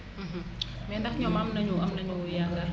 mais ndax ñoom am nañu am nañu yaakaar